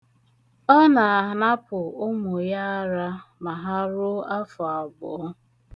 Ọ na-anapu umu ya ara ma ha ruo afọ abụọ.